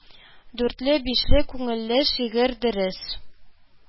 «дүрт»ле («биш»ле), күңелле, шигырь, дөрес,